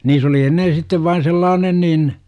niin oli ennen sitten vain sellainen niin